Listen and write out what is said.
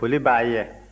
foli b'a ye